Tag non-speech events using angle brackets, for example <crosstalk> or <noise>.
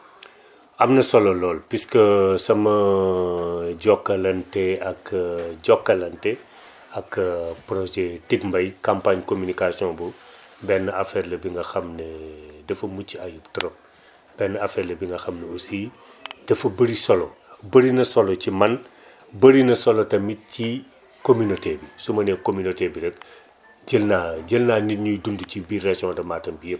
<smacks lips> am na solo lool puisque sama <hesitation> jokkalante ak <hesitation> Jokalante <breath> ak <hesitation> projet Ticmbay campagne communication bu <noise> benn affaire la bi nga xam ne dafa mucc ayib trop <noise> benn affaire la bi nga xam ne aussi <noise> dafa bëri solo bëri na solo ci man bëri na solo tamit ci communauté bi su ma nee communauté bi rek <noise> jël naa jël naa nit ñiy dund ci biir région de Matam bi yëpp